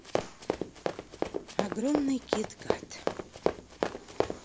огромный кит кат